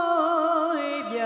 ở